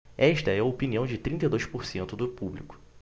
esta é a opinião de trinta e dois por cento do público